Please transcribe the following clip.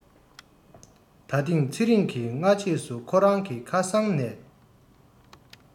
ད ཐེངས ཚེ རིང གིས སྔ རྗེས སུ ཁོ རང གི ཁ སང ནས